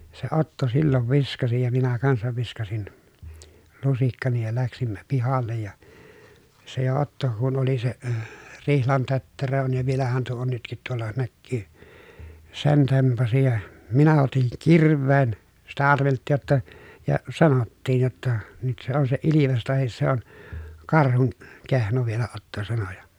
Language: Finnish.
ja se Otto silloin viskasi ja minä kanssa viskasin lusikkani ja lähdimme pihalle ja se jo Otto kun oli se rihlan tötterö on ja vielähän tuo on nytkin tuolla näkyy sen tempaisi ja minä otin kirveen sitä arveltiin jotta ja sanottiin jotta nyt se on se ilves tai se on karhun kehno vielä Otto sanoi ja